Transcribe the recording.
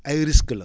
ay risques la